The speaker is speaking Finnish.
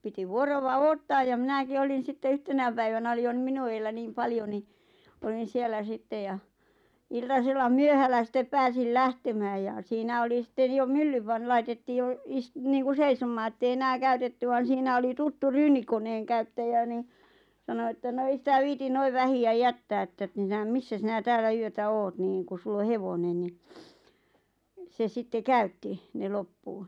piti vuoroa odottaa ja minäkin olin sitten yhtenä päivänä oli jo niin minun edellä niin paljon niin olin siellä sitten ja iltasella myöhällä sitten pääsin lähtemään ja siinä oli sitten jo myllyn - laitettiin jo niin kuin seisomaan että ei enää käytetty vaan siinä oli tuttu ryynikoneenkäyttäjä niin sanoi että no ei sitä viitsi noin vähän jättää että - missä sinä täällä yötä olet niin kun sinulla on hevonen niin se sitten käytti ne loppuun